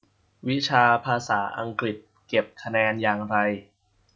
วิชาภาษาอังกฤษเก็บคะแนนอย่างไร